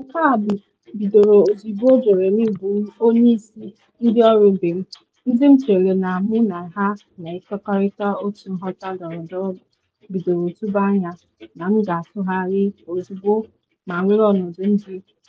Nke a bidoro ozugbo Jeremy bụrụ onye isi, ndị ọrụ ibe m, ndị m chere na mụ na ha na ekekọrịta otu nghọta ndọrọndọrọ bidoro tụba anya na m ga-atụgharị ozugbo ma were ọnọdụ